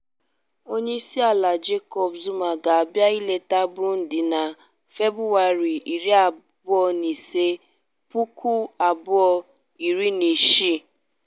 Onyeisiala Jacob Zuma ga-abịa ileta Burundi na Febụwarị 25, 2016.